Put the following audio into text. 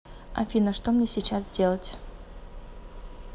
афина что мне сейчас делать